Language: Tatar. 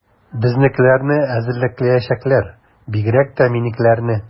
Безнекеләрне эзәрлекләячәкләр, бигрәк тә минекеләрне.